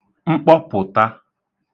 mkpọpụ̀ta